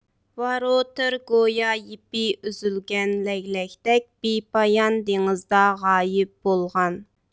ۋاروتېر گويا يىپى ئۈزۈلگەن لەگلەكتەك بىپايان دېڭىزدا غايىب بولغان